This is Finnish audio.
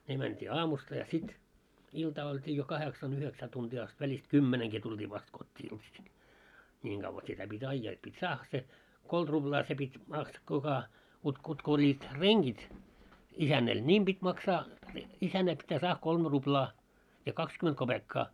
ne mentiin aamusta ja sitten iltaa oltiin jo kahdeksan yhdeksän tuntia asti välistä kymmenenkin tultiin vasta kotiin iltaisin niin kauan sitä piti ajaa että piti saada se kolme ruplaa se piti - kuka kutka kutka olivat rengit isännällä niin piti maksaa isännän pitää saada kolme ruplaa ja kaksikymmentä kopeekkaa